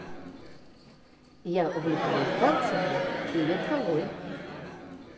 я увлекаюсь танцами и верховой